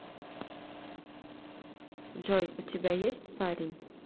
джой у тебя есть парень